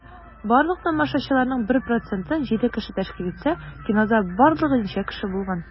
Барлык тамашачыларның 1 процентын 7 кеше тәшкил итсә, кинода барлыгы ничә кеше булган?